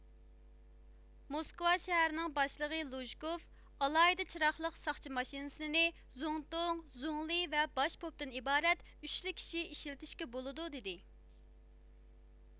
موسكۋا شەھىرىنىڭ باشلىقى لۇژكوۋ ئالاھىدە چىراغلىق ساقچى ماشىنىسىنى زۇڭتۇڭ زۇڭلى ۋە باش پوپتىن ئىبارەت ئۈچلا كىشى ئىشلىتىشكە بولىدۇ دېدى